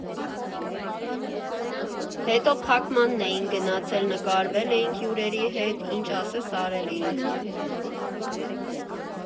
Հետո փակմանն էինք գնացել, նկարվել էինք հյուրերի հետ, ինչ ասես արել էինք։